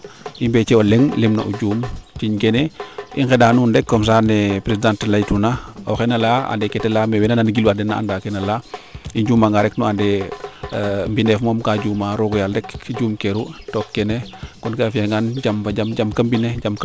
i mbeece o leŋ lim na o juum pin keene i ngenda nuun rek comme ca "ne presidente a leytuuna o xe na leya nade kee te leya nda weena nan gilwa na anda keede leya i njuma nga rek nu ande mbi ndeef moom kaa juum aroogo yaal rek juum keeru to keene kon a fiya ngaan jam fo jam jam kam mbine jam kam